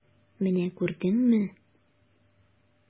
Менә күрдеңме!